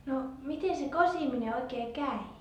no miten se kosiminen oikein kävi